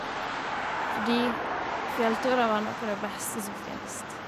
Fordi fjellturer var noe av det beste som finnes.